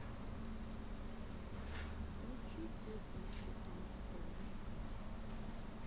включи песенку антошка